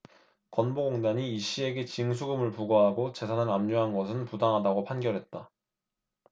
건보공단이 이씨에게 징수금을 부과하고 재산을 압류한 것은 부당하다고 판결했다